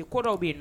E ko dɔw be yennɔ